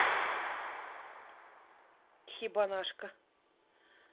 ебанашка